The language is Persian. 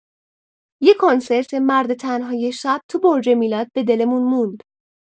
یه کنسرت مرد تن‌های شب تو برج میلاد به دلمون موند.